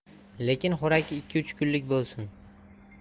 lekin xo'rak ikki uch kunlik bo'lsin